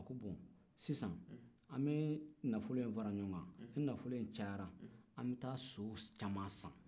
bon sisan an bɛ nafolo in fara ɲɔgɔn kan ni nafolo in cayara an bɛ taa so caman san